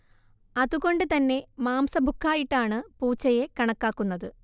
അതുകൊണ്ട് തന്നെ മാംസഭുക്ക് ആയിട്ടാണ് പൂച്ചയെ കണക്കാക്കുന്നത്